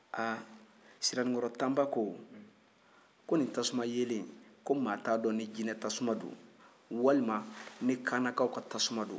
ha sianikɔrɔ tanba ko ko nin tasuma yelen in ko maa t'a dɔn ni jinɛ tasuma don walima ni kaanakaw ka tasuma don